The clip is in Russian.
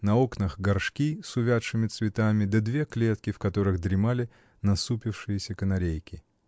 на окнах горшки с увядшими цветами да две клетки, в которых дремали насупившиеся канарейки.